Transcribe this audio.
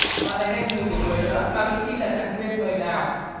bạn giành thêm một điểm mười nữa mạc đĩnh chi là trạng nguyên thời nào